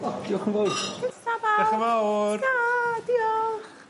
O diolch yn fowr. Croeso bawb. Diolch yn fawr. Tara, diolch.